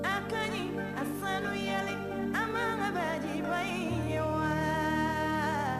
A ka ɲi a sanuyalen a man ka baji ba in ye wa